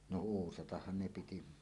no uusatahan ne piti